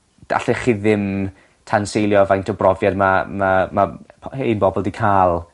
gallech chi ddim tanseilio faint o brofiad ma' ma' ma' h- hen bobol 'di ca'l.